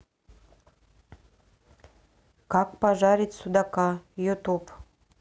как пожарить судака ютуб